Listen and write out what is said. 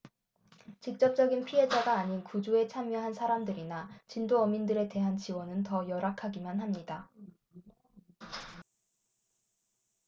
직접적인 피해자가 아닌 구조에 참여한 사람들이나 진도어민들에 대한 지원은 더 열악하기만 합니다